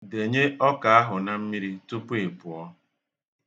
Denye ọka ahụ na mmiri tupu ị pụọ.